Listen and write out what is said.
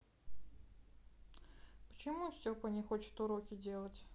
почему степа не хочет уроки делать